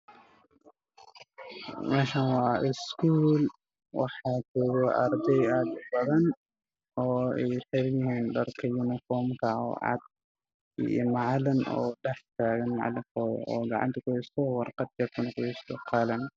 Meeshaan waa school arday ayaa ku fadhiyaan kuraas oo wataan dhar caddaan macalin ayaa dhex taaganMeeshaan waa school arday ayaa ku fadhiyaan kuraas oo wataan dhar caddaan macalin ayaa dhex taagan